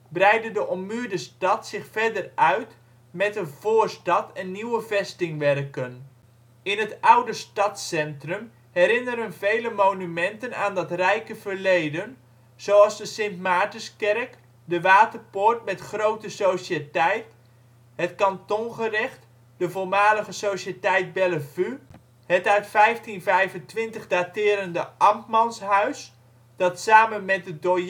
breidde de ommuurde stad zich verder uit met een voorstad en nieuwe vestingwerken. In het oude stadscentrum herinneren vele monumenten aan dat rijke verleden, zoals de Sint Maartenskerk, de Waterpoort met Groote Sociëteit, het Kantongerecht, de voormalige sociëteit Bellevue, het uit 1525 daterende Ambtmanshuis dat samen met de door